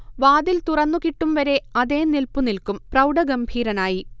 വാതിൽ തുറന്നു കിട്ടും വരെ അതേ നില്പു നിൽക്കും, പ്രൗഢഗംഭീരനായി